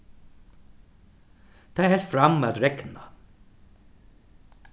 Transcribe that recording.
tað helt fram at regna